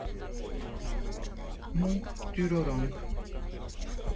Մունք տյուրոր օնք։